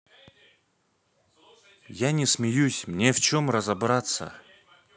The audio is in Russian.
я не смеюсь мне в чем разобраться